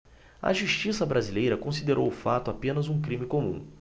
a justiça brasileira considerou o fato apenas um crime comum